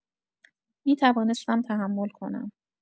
می‌توانستم تحمل کنم.